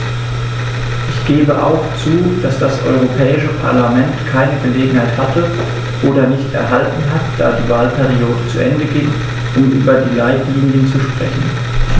Ich gebe auch zu, dass das Europäische Parlament keine Gelegenheit hatte - oder nicht erhalten hat, da die Wahlperiode zu Ende ging -, um über die Leitlinien zu sprechen.